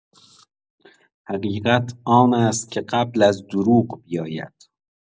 حقیقت آن است که قبل از دروغ بیاید.